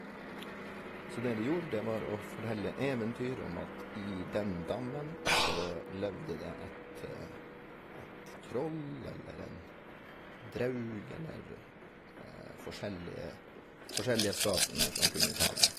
Så det de gjorde, det var å fortelle eventyr om at i den dammen så levde det et et troll eller en draug, eller forskjellige forskjellige skapninger som kunne ta dem.